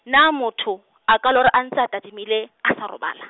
na motho, a ka lora a ntse a tadimile, a sa robala?